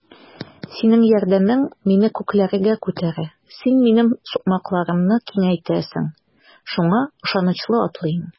Синең ярдәмең мине күкләргә күтәрә, син минем сукмакларымны киңәйтәсең, шуңа ышанычлы атлыйм.